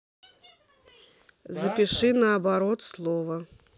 запиши наоборот слово